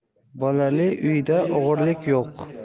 bolali uyda o'g'rilik yo'q